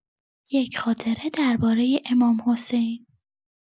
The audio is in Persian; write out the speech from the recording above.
یک خاطره دربارۀ امام‌حسین.